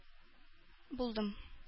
Булдым